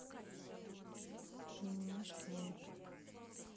мимимишки на ютуб